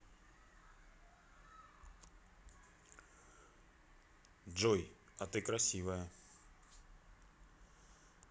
джой а ты красивая